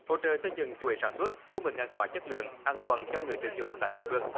hỗ trợ xây dựng chuỗi sản xuất cung ứng hàng hóa chất lượng an toàn cho người tiêu dùng tại địa phương